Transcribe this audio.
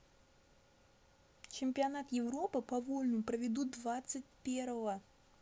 чемпионат европы по вольному поведутся двадцать первого